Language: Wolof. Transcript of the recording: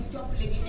coble gi ne